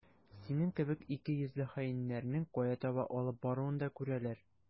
Синең кебек икейөзле хаиннәрнең кая таба алып баруын да күрәләр.